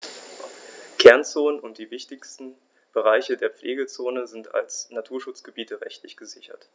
Kernzonen und die wichtigsten Bereiche der Pflegezone sind als Naturschutzgebiete rechtlich gesichert.